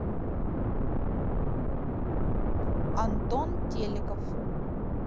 антон телеков